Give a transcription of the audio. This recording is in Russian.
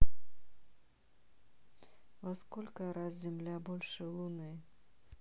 во сколько раз земля больше луны